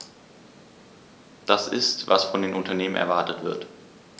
Das ist, was von den Unternehmen erwartet wird.